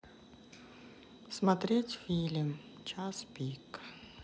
смотреть фильм час пик